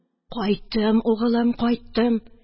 Кайттым, угылым, кайттым